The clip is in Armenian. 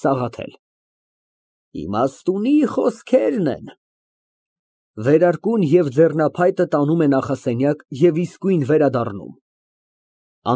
ՍԱՂԱԹԵԼ ֊ Իմաստունի խոսքեր են։ (Վերարկուն ու ձեռնափայտը տանում է նախասենյակ և իսկույն վերադառնում)։